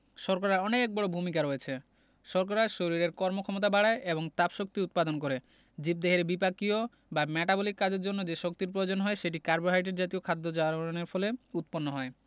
শর্করার অনেক বড় ভূমিকা রয়েছে শর্করা শরীরের কর্মক্ষমতা বাড়ায় এবং তাপশক্তি উৎপাদন করে জীবদেহে বিপাকীয় বা মেটাবলিক কাজের জন্য যে শক্তির প্রয়োজন হয় সেটি কার্বোহাইড্রেট জাতীয় খাদ্য জারণের ফলে উৎপন্ন হয়